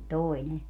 toi ne